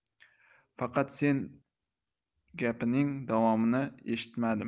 faqat sen gapining davomini eshitmadim